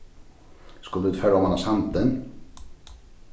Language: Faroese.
skulu vit fara oman á sandin